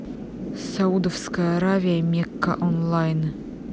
саудовская аравия мекка онлайн